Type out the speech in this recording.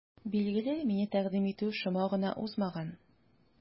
Билгеле, мине тәкъдим итү шома гына узмаган.